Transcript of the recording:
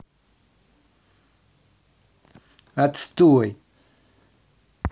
отстой